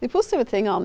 de positive tinga.